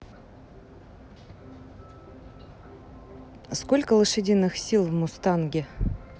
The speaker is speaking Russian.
сколько лошадиных сил в мустанге